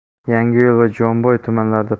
yangiyo'l va jomboy tumanlarida